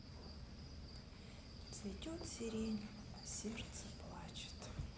цветет сирень а сердце плачет